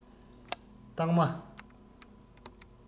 སྟག མ